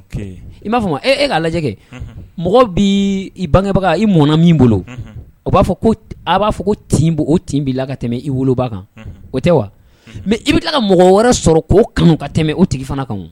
I b'a fɔ e'a lajɛ mɔgɔ bangebaga i mɔn min bolo o b'a fɔ a b'a fɔ la ka tɛmɛ i woloba kan i bɛ tila ka mɔgɔ wɛrɛ sɔrɔ k' kanu ka tɛmɛ o tigifana kan